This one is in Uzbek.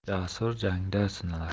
jasur jangda sinalar